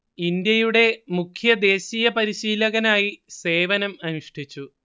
ഇന്ത്യയുടെ മുഖ്യ ദേശീയ പരിശീലകനായി സേവനം അനുഷ്ടിച്ചു